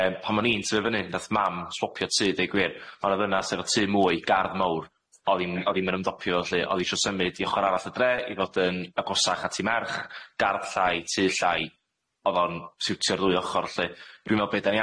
yym pan o'n i'n tyfu fynny nath mam swopio tŷ deud gwir on a ddynas efo tŷ mwy gardd mowr o'dd i'm o'dd i'm yn ymdopio lly o'dd i isio symud i ochor arall y dre i fod yn agosach ati merch gardd llai tŷ llai o'dd o'n siwtio'r ddwy ochor lly dwi me'wl be' da ni